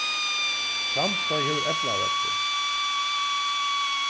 sandoy hevur eplaveltu